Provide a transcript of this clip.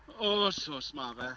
Oes, oes, ma' fe.